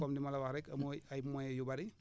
comme ni ma la wax rek amoo ay moyens yu bari